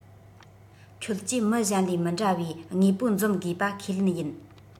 ཁྱོད ཀྱིས མི གཞན ལས མི འདྲ བའི དངོས པོ འཛོམས དགོས པ ཁས ལེན ཡིན